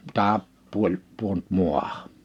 tämä puoli pudonnut maahan